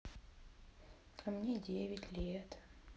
а мне девять лет